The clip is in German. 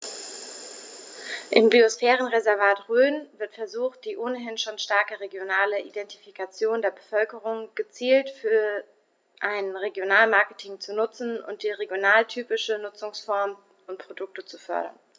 Im Biosphärenreservat Rhön wird versucht, die ohnehin schon starke regionale Identifikation der Bevölkerung gezielt für ein Regionalmarketing zu nutzen und regionaltypische Nutzungsformen und Produkte zu fördern.